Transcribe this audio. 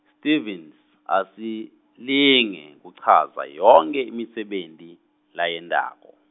Stevens asalinge kuchaza yonkhe imisebenti layentako.